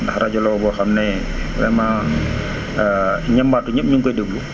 ndax rajo la boo xam ne vraiment ñombaato yëpp ñu ngi koy déglu